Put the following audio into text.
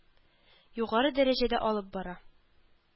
Югары дәрәҗәдә алып бара